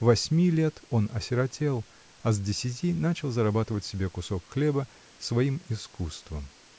Восьми лет он осиротел, а с десяти начал зарабатывать себе кусок хлеба своим искусством.